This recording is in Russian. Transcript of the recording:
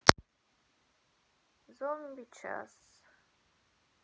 зомби час